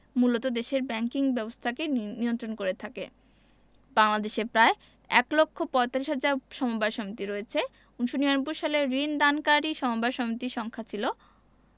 মূলত দেশের ব্যাংকিং ব্যবস্থাকে নিয়ন্ত্রণ করে থাকে বাংলাদেশে প্রায় এক লক্ষ পয়তাল্লিশ হাজার সমবায় সমিতি রয়েছে ১৯৯৯ সালে ঋণ দানকারী সমবায় সমিতির সংখ্যা ছিল